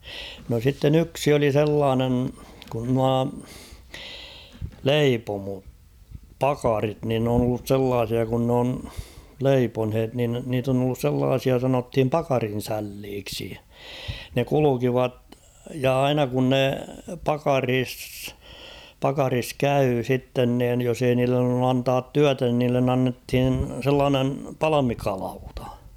no sitten yksi oli sellainen kun nuo - leipomopakarit niin ne on ollut sellaisia kun ne on leiponeet niin niitä on ollut sellaisia sanottiin pakarinsälliksi ne kulkivat ja aina kun ne pakarissa pakarissa kävi sitten niin jos ei niille ollut antaa työtä niin niille annettiin sellainen palmikalauta [!l